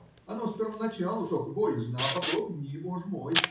Оно спервоначалу только боязно, а потом - ни боже мой!